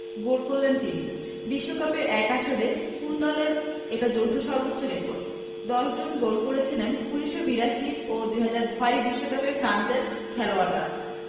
গোল করলেন তিনি বিশ্বকাপের এক আসরে কোনো দলের এটা যৌথ সর্বোচ্চ রেকর্ড ১০ জন গোল করেছিলেন ১৯৮২ ও ২০০৬ বিশ্বকাপে ফ্রান্সের খেলোয়াড়রা